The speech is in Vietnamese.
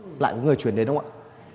lại có người chuyển đến ông ạ